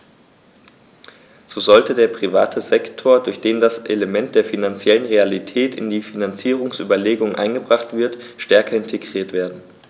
So sollte der private Sektor, durch den das Element der finanziellen Realität in die Finanzierungsüberlegungen eingebracht wird, stärker integriert werden.